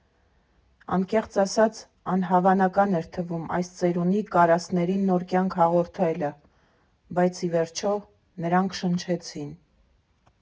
Անկեղծ ասած, անհավանական էր թվում այս ծերունի կարասներին նոր կյանք հաղորդելը, բայց, ի վերջո, նրանք շնչեցին։